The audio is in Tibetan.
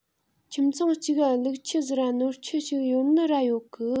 ཁྱིམ ཚང གཅིག ག ལུག ཁྱུ ཟིག ར ནོར ཁྱུ གཅིག ཡོད ནོ ར ཡོད གི